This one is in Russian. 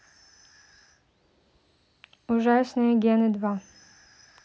ужасные гены два